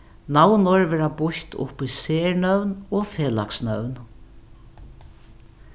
navnorð vera býtt upp í sernøvn og felagsnøvn